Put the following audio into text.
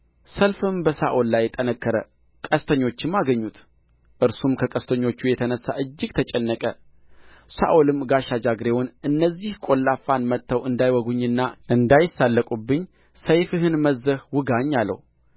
ሰልፍም በሳኦል ላይ ጠነከረ ቀስተኞችም አገኙት እርሱም ከቀስተኞቹ የተነሣ እጅግ ተጨነቀ ሳኦልም ጋሻ ጃግሬውን እነዚህ ቈላፋን መጥተው እንዳይወጉኝና እንዳይሳለቁብኝ ሰይፍህን መዝዘህ ውጋኝ አለው